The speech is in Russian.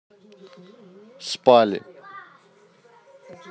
спали